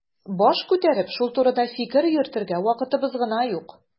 Баш күтәреп шул турыда фикер йөртергә вакытыбыз гына юк.